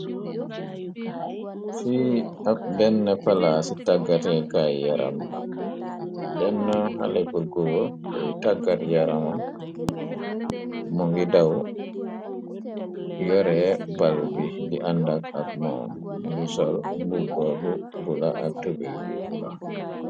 fi ab denn pala ci tàggatekaay yaram la benn xaleburgo buy tàggat yaramam mo ngi daw yore bal bi di àndak ak moom ngi sol mbubbab bula ak tube bubu la.